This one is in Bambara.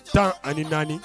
Tan ani naani